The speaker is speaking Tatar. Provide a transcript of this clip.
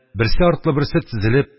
Берсе артлы берсе тезелеп